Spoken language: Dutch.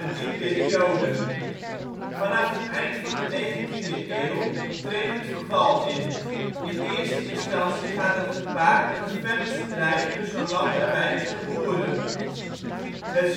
die periode. Vanaf het eind van de negentiende eeuw treedt het verval in, in eerste instantie gaat dat gepaard met een felle strijd tussen landarbeiders en boeren. Het socialisme